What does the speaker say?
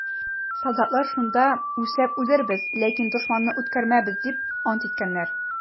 Солдатлар шунда: «Үлсәк үләрбез, ләкин дошманны үткәрмәбез!» - дип ант иткәннәр.